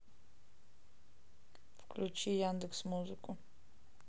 включи яндекс музыку